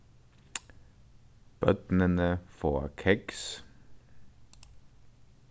børnini fáa keks